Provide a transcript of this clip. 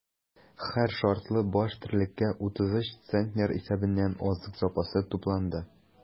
Һәр шартлы баш терлеккә 33 центнер исәбеннән азык запасы тупланды.